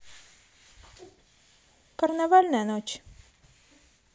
карнавальная ночь